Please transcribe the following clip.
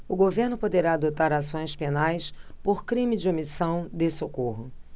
o governo poderá adotar ações penais por crime de omissão de socorro